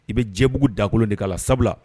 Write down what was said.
I bɛ jɛbugu dakolo de' la sabula